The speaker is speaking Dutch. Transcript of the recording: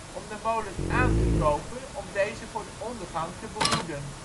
om de molen aan te kopen om deze voor de ondergang te behoeden